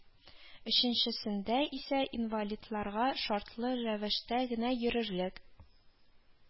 Өченчесендә исә инвалидларга шартлы рәвештә генә йөрерлек